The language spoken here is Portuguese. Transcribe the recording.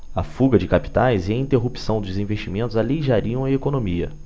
a fuga de capitais e a interrupção dos investimentos aleijariam a economia